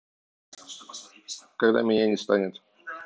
когда меня не станет